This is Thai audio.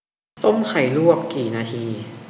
ต้มไข่ลวกกี่นาที